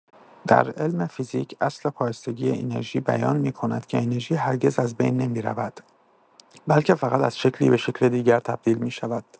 در علم فیزیک، اصل پایستگی انرژی بیان می‌کند که انرژی هرگز از بین نمی‌رود، بلکه فقط از شکلی به شکل دیگر تبدیل می‌شود.